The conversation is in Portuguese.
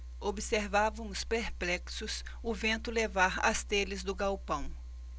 observávamos perplexos o vento levar as telhas do galpão